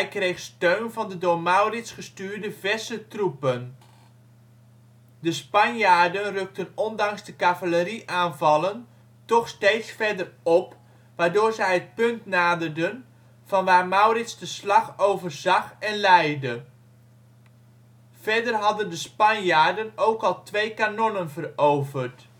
kreeg steun van de door Maurits gestuurde verse troepen. De Spanjaarden rukten ondanks de cavalerieaanvallen toch steeds verder op, waardoor zij het punt naderden vanwaar Maurits de slag overzag en leidde. Verder hadden de Spanjaarden ook al twee kanonnen veroverd